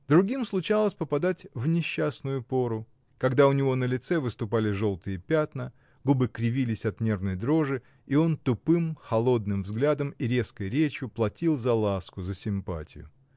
Другим случалось попадать в несчастную пору, когда у него на лице выступали желтые пятна, губы кривились от нервной дрожи, и он тупым, холодным взглядом и резкой речью платил за ласку, за симпатию.